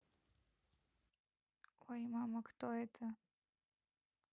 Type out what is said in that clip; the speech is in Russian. ой мама кто это